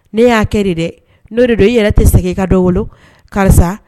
Ne ya kɛ de dɛ . No don i yɛrɛ te segin i ka dɔ wolo karisa.